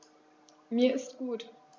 Mir ist gut.